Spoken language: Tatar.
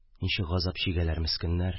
«ничек газап чигәләр, мескеннәр!